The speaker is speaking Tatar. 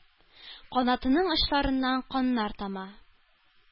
Канатының очларыннан каннар тама,